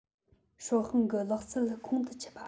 སྲོག ཤིང གི ལག རྩལ ཁོང དུ ཆུད པ